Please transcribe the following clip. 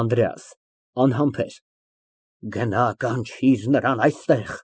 ԱՆԴՐԵԱՍ ֊ (Անհամբեր) Գնա, նրան կանչիր այստեղ։